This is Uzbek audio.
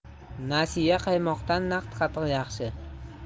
nasiya qaymoqdan naqd qatiq yaxshi